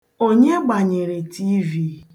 Onye gbanyere tiivi?